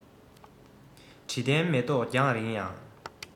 དྲི ལྡན མེ ཏོག རྒྱང རིང ཡང